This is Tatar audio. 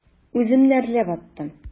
Үземне әрләп аттым.